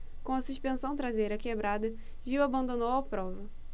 com a suspensão traseira quebrada gil abandonou a prova